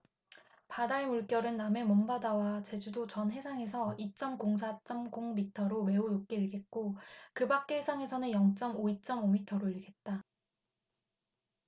바다의 물결은 남해 먼바다와 제주도 전 해상에서 이 쩜 공 사 쩜 공 미터로 매우 높게 일겠고 그 밖의 해상에서는 영 쩜 오 이 쩜 오 미터로 일겠다